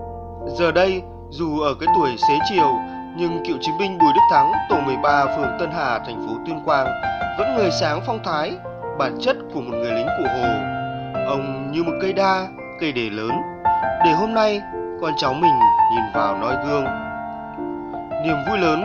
giờ đây dù ở cái tuổi xế chiều nhưng cựu chiến binh bùi đức thắng tổ mười ba phường tân hà thành phố tuyên quang vẫn ngời sáng phong thái bản chất của một người lính cụ hồ ông như một cây đa cây đề lớn để hôm nay con cháu mình nhìn vào noi gương niềm vui lớn